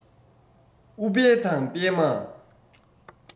ཨུཏྤལ དང པདྨ